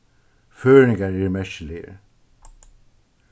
føroyingar eru merkiligir